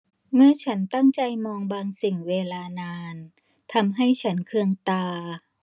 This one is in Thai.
เมื่อฉันตั้งใจมองบางสิ่งเวลานานทำให้ฉันเคืองตา